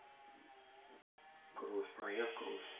кровь моя кровь